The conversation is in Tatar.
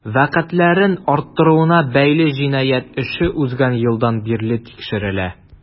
Вәкаләтләрен арттыруына бәйле җинаять эше узган елдан бирле тикшерелә.